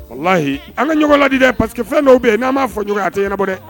Walayi an ka ɲɔgɔn lajɛ pa parceseke' yen n'an'a fɔ ɲɔgɔn a tɛbɔ dɛ